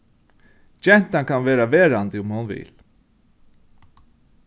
gentan kann verða verandi um hon vil